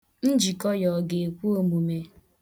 Njikọ ya ọ ga-ekwe omume?